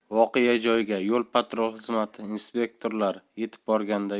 voqea joyiga yol patrul xizmati inspektorlari yetib borganda